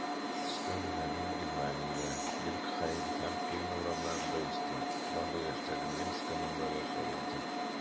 Өстәвенә, мин Германиядә, Бергхайм һәм Кельн урамнарында үстем, барлык яшьтәге немец командалары аша уздым.